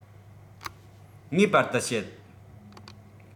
ངེས པར དུ བཤད